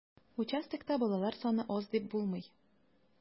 Участокта балалар саны аз дип булмый.